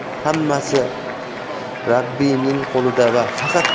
hammasi rabbiyning qo'lida va faqat